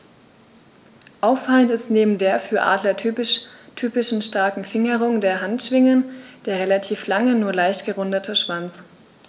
Auffallend ist neben der für Adler typischen starken Fingerung der Handschwingen der relativ lange, nur leicht gerundete Schwanz.